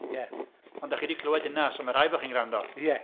Ie... Ond dach chi wedi clywed hynna, so mae rhaid eich bod chi'n gwrando. ...Ie Ie